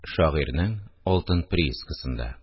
Шагыйрьнең алтын приискасында